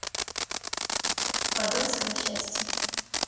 подольское счастье